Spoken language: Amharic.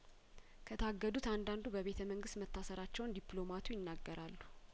ከታገዱት አንዳንዱ በቤተ መንግስት መታሰራቸውን ዲፕሎማቱ ይናገራሉ